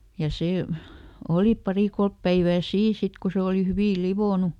ja se oli pari kolme päivää siinä sitten kun se oli hyvin lionnut